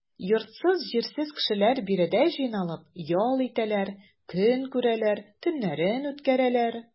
Йортсыз-җирсез кешеләр биредә җыйналып ял итәләр, көн күрәләр, төннәрен үткәрәләр.